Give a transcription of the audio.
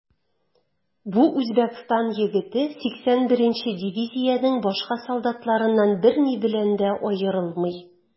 Бу Үзбәкстан егете 81 нче дивизиянең башка солдатларыннан берни белән дә аерылмый.